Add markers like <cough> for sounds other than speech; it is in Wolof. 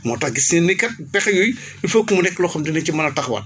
moo tax gis nañ ni kat pexe yooyu <breath> il faut que mu nekk loo xam ne dinañ ci mën a taxawaat